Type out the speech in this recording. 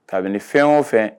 Kabini fɛn o fɛ